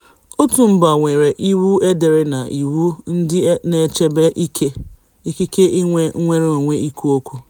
Ọtụtụ mba nwere iwu edere na iwu ndị na-echebe ikike inwe nnwereonwe ikwu okwu.